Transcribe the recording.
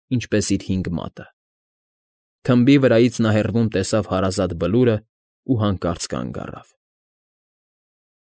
Ինչպես իր հինգ մատը։ Թմբի վրայից նա հեռվում տեսավ հարազատ Բլուրն ու հանկարծ կանգ առավ։